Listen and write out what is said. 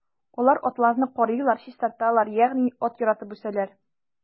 Алар атларны карыйлар, чистарталар, ягъни ат яратып үсәләр.